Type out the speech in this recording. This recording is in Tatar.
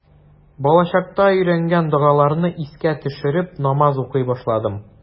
Балачакта өйрәнгән догаларны искә төшереп, намаз укый башладым.